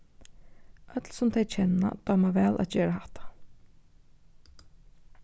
øll sum tey kenna dáma væl at gera hatta